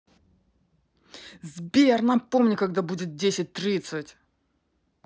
сбер напомни когда будет десять тридцать